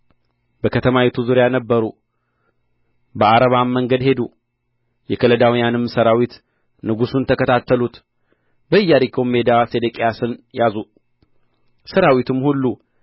በከተማይቱ ዙሪያ ነበሩ በዓረባም መንገድ ሄዱ የከለዳውያንም ሠራዊት ንጉሡን ተከታተሉት በኢያሪኮም ሜዳ ሴዴቅያስን ያዙ ሠራዊቱም ሁሉ